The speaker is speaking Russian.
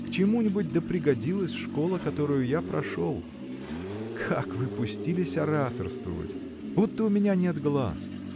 К чему-нибудь да пригодилась школа, которую я прошел. Как вы пустились ораторствовать! будто у меня нет глаз?